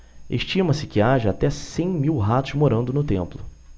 estima-se que haja até cem mil ratos morando no templo